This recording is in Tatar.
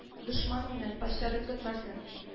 Дошман миннән пощада көтмәсен